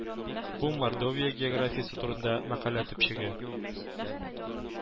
Бу Мордовия географиясе турында мәкалә төпчеге